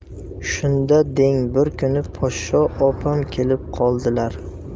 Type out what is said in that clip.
shunda deng bir kuni poshsha opam kelib qoldilar